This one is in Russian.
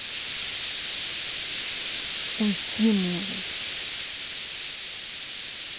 уйти можешь